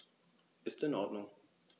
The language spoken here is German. Ist in Ordnung.